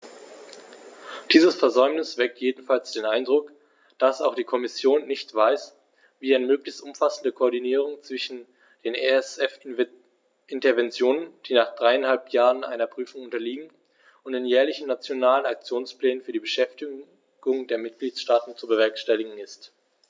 Dieses Versäumnis weckt jedenfalls den Eindruck, dass auch die Kommission nicht weiß, wie eine möglichst umfassende Koordinierung zwischen den ESF-Interventionen, die nach dreieinhalb Jahren einer Prüfung unterliegen, und den jährlichen Nationalen Aktionsplänen für die Beschäftigung der Mitgliedstaaten zu bewerkstelligen ist.